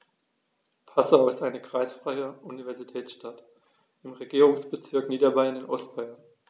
Passau ist eine kreisfreie Universitätsstadt im Regierungsbezirk Niederbayern in Ostbayern.